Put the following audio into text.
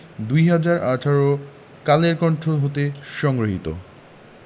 ২০১৮ কালের কন্ঠ হতে সংগৃহীত